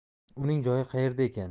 uning joyi qaerda ekan